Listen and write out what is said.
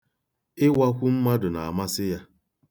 Ịwakwu mmadụ na-amasị ya.